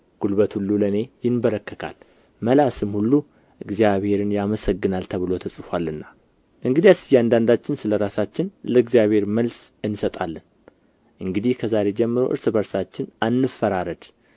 ጉልበት ሁሉ ለእኔ ይንበረከካል መላስም ሁሉ እግዚአብሔርን ያመሰግናል ተብሎ ተጽፎአልና እንግዲያስ እያንዳንዳችን ስለ ራሳችን ለእግዚአብሔር መልስ እንሰጣለን እንግዲህ ከዛሬ ጀምሮ እርስ በርሳችን አንፈራረድ